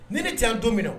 Ni ne ti yan don mina